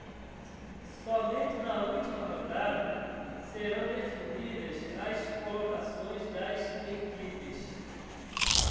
somente na última rodada serão definidas as colocações das equipes